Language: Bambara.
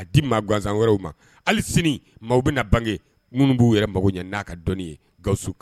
A di maa gansan wɛrɛw ma hali sinii maa bɛna bange minnu b'u yɛrɛ mago ɲɛ n'a ka dɔnnii ye Gawusu K